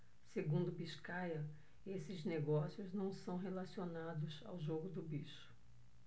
segundo biscaia esses negócios não são relacionados ao jogo do bicho